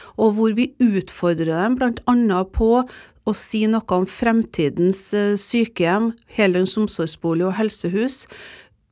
og hvor vi utfordrer dem bl.a. på å si noe om fremtidens sykehjem, heldøgns omsorgsbolig og helsehus.